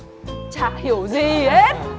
chả hiểu gì hết